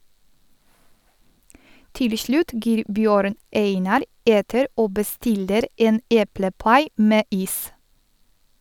Til slutt gir Bjørn Einar etter og bestiller en eplepai med is.